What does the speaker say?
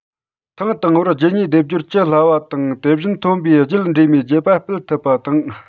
ཐེངས དང པོར རྒྱུད གཉིས སྡེབ སྦྱོར བགྱི སླ བ དང དེ བཞིན ཐོན པའི རྒྱུད འདྲེས མའི རྒྱུད པ སྤེལ ཐུབ པ དང